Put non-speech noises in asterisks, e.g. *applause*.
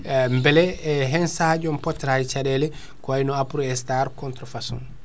*hesitation* beele e hen sahaji on pottata e caɗele ko wayno Aprostar contre façon